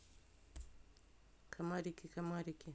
комарики комарики